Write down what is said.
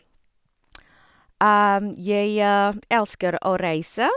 Jeg elsker å reise.